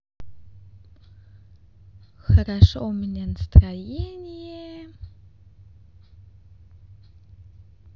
хорошо у меня настроение